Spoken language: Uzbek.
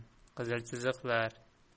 qizil chiziqlar